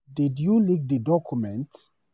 Did you leak the document?